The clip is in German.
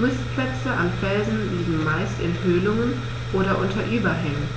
Nistplätze an Felsen liegen meist in Höhlungen oder unter Überhängen,